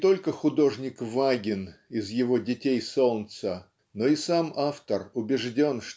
не только художник Вагин из его "Детей солнца" но и сам автор убежден